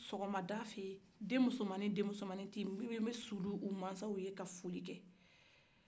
sɔgɔmada fɛ den musomani min t'i ma jiki a mansaw ye ka foli kɛ